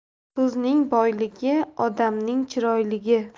so'zning boyligi odamning chiroyligi